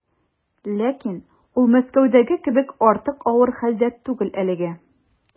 Ләкин ул Мәскәүдәге кебек артык авыр хәлдә түгел әлегә.